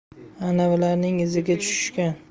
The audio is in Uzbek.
anavilarning iziga tushishgan